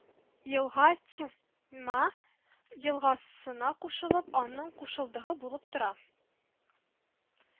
Елга Ть ма елгасына кушылып, аның кушылдыгы булып тора